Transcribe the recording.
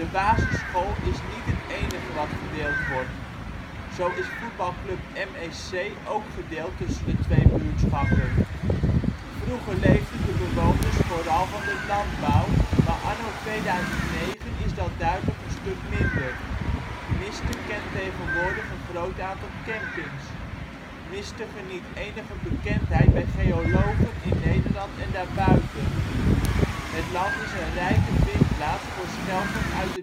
basisschool is niet het enige wat gedeeld wordt. Zo is voetbalclub MEC ook gedeeld tussen de twee buurtschappen. Vroeger leefden de bewoners vooral van de landbouw, maar anno 2009 is dat duidelijk een stuk minder. Miste kent tegenwoordig een groot aantal campings. Miste geniet enige bekendheid bij geologen in Nederland en daarbuiten. Het land is een rijke vindplaats voor schelpen uit